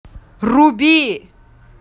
руби